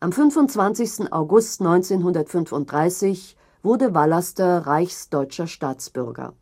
25. August 1935 wurde Vallaster reichsdeutscher Staatsbürger